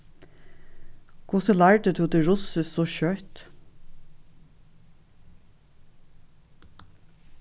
hvussu lærdi tú teg russiskt so skjótt